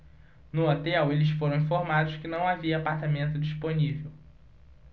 no hotel eles foram informados que não havia apartamento disponível